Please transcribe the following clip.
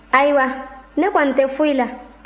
ayiwa ne kɔni tɛ foyi la